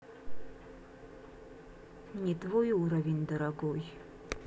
не твой уровень дорогой